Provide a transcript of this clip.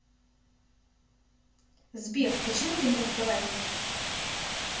сбер почему ты не разговариваешь